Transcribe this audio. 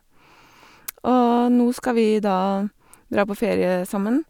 Og nå skal vi da dra på ferie sammen.